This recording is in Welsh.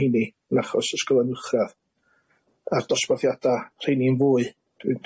heini 'n achos ysgolion uwchradd a'r dosbarthiada rheini'n fwy dwi'n